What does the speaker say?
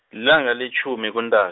ilanga letjhumi kuNtak-.